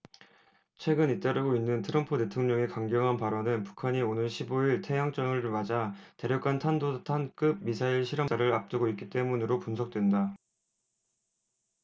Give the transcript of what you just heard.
최근 잇따르고 있는 트럼프 대통령의 강경한 발언은 북한이 오는 십 오 일 태양절을 맞아 대륙간탄도탄급 미사일 실험 발사를 앞두고 있기 때문으로 분석된다